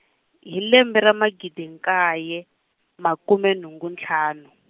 hi lembe ra magidi nkaye makume nhungu ntlhanu.